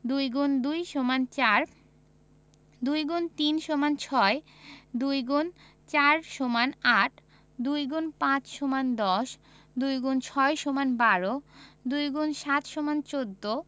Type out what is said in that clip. ২ X ২ = ৪ ২ X ৩ = ৬ ২ X ৪ = ৮ ২ X ৫ = ১০ ২ X ৬ = ১২ ২ X ৭ = ১৪